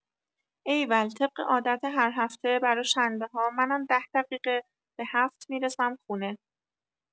ایول طبق عادت هر هفته برا شنبه‌ها منم ۱۰ دقیقه به ۷ می‌رسم خونه